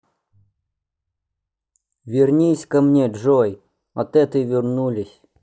вернись ко мне джой от этой вернулись